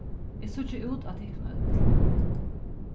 eg síggi út á tykkum øll